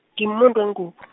ngimuntwenguba.